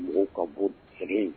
Mɔgɔw ka bon sɛ